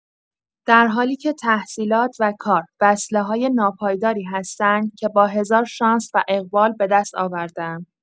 در حالی‌که تحصیلات و کار وصله‌های ناپایداری هستند که با هزار شانس و اقبال به دست آورده‌ام.